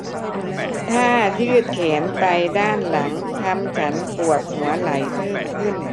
ท่ายืดแขนไปด้านหลังทำฉันปวดหัวไหล่เพิ่มขึ้น